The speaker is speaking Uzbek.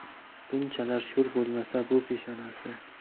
bunchalar sho'r bo'lmasa bu peshanasi